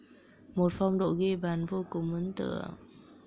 một phong độ ghi bàn vô cùng ấn tượng